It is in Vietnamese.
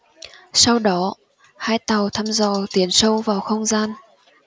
sau đó hai tàu thăm dò tiến sâu vào không gian